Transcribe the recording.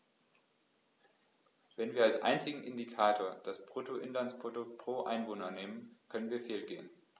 Wenn wir als einzigen Indikator das Bruttoinlandsprodukt pro Einwohner nehmen, können wir fehlgehen.